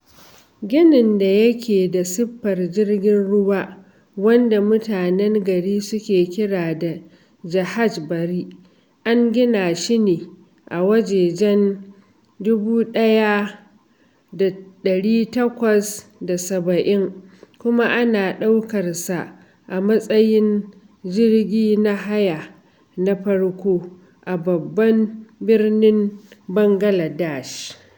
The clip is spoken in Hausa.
Ginin da yake da sifar jirgin ruwa wanda mutanen gari suke kira da "Jahaj Bari" an gina shi ne a wajejen 1870 kuma ana ɗaukarsa a matsayin gini na haya na farko a babban birnin Bangaladesh.